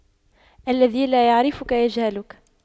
الذي لا يعرفك يجهلك